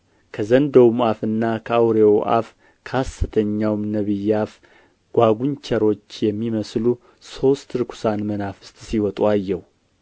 ከዘንዶውም አፍና ከአውሬው አፍ ከሐሰተኛውም ነቢይ አፍ ጓጕንቸሮች የሚመስሉ ሦስት ርኵሳን መናፍስት ሲወጡ አየሁ